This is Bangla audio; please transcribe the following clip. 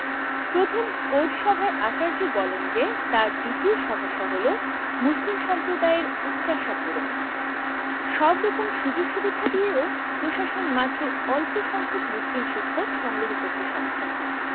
প্রথম কোর্ট সভায় আচার্য বলেন যে তাঁর দ্বিতীয় সমস্যা হলো মুসলিম সম্প্রদায়ের উচ্চাশা পূরণ সব রকম সুযোগসুবিধা দিয়েও প্রশাসন মাত্র অল্পসংখ্যক মুসলিম শিক্ষক সংগ্রহ করতে সক্ষম হয়